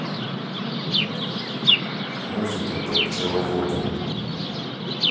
музыка про пчеловод